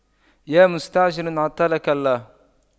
يا مستعجل عطلك الله